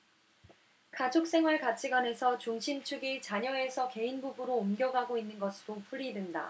가족생활 가치관에서 중심축이 자녀에서 개인 부부로 옮겨가고 있는 것으로 풀이된다